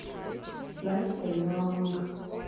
настя меломур